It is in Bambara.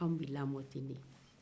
anw bɛ lamɔ ten de